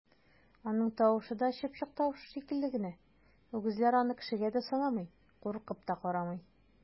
Аның тавышы да чыпчык тавышы шикелле генә, үгезләр аны кешегә дә санамый, куркып та карамый!